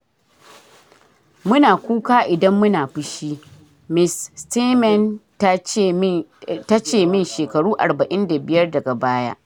“Mu na kuka idan mu na fushi, "Ms. Steinem ta ce min shekaru 45 daga baya.